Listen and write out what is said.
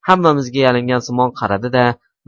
hammamizga yalingansimon qaradi da